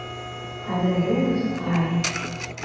Кадерле дускай!